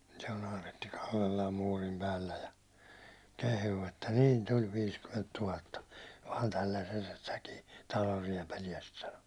se on Aaretti kallellaan muurin päällä ja kehuu että niin tuli viisikymmentä tuhatta vain tällaisestäkin talon riepaleesta sanoi